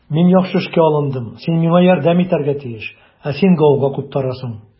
Мин яхшы эшкә алындым, син миңа ярдәм итәргә тиеш, ә син гауга куптарасың.